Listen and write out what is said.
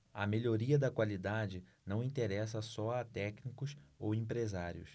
a melhoria da qualidade não interessa só a técnicos ou empresários